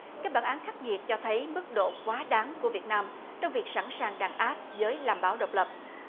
các bản án khắc nghiệt cho thấy mức độ quá đáng của việt nam trong việc sẵn sàng đàn áp giới làm báo độc lập